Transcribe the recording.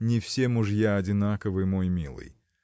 – Не все мужья одинаковы, мой милый